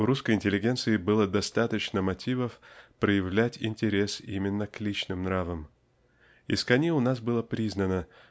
у русской интеллигенции было достаточно мотивов проявлять интерес именно к личным правам. Искони у нас было признано